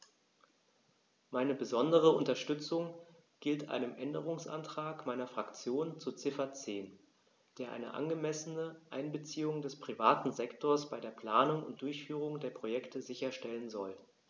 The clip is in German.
Meine besondere Unterstützung gilt einem Änderungsantrag meiner Fraktion zu Ziffer 10, der eine angemessene Einbeziehung des privaten Sektors bei der Planung und Durchführung der Projekte sicherstellen soll.